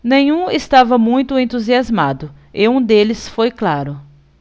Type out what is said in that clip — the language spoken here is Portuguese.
nenhum estava muito entusiasmado e um deles foi claro